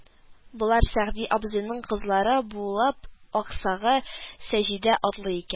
Болар Сәгъди абзыйның кызлары булып, аксагы Саҗидә атлы икән